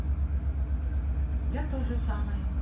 я тоже самая